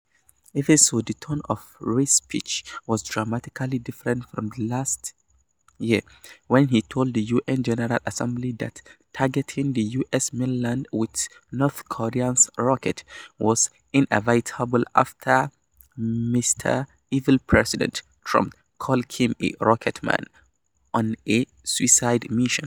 Even so, the tone of Ri's speech was dramatically different from last year, when he told the U.N. General Assembly that targeting the U.S. mainland with North Korea's rockets was inevitable after "Mr Evil President" Trump called Kim a "rocket man" on a suicide mission.